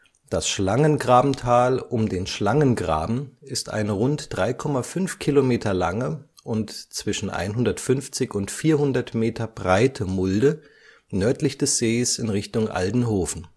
Das Schlangengrabental um den Schlangengraben ist eine rund 3,5 Kilometer lange und zwischen 150 und 400 Meter breite Mulde nördlich des Sees in Richtung Aldenhoven